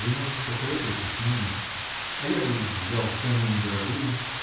Вы можете посоветоваться с ним, -- а я бы взял цену недорогую.